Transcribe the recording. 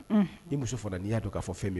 Ka muso fana n'i y'a don ka'a fɔ fɛn min